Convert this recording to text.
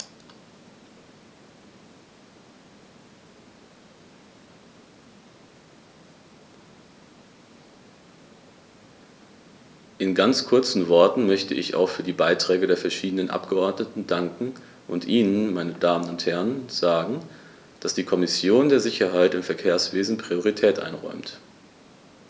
In ganz kurzen Worten möchte ich auch für die Beiträge der verschiedenen Abgeordneten danken und Ihnen, meine Damen und Herren, sagen, dass die Kommission der Sicherheit im Verkehrswesen Priorität einräumt.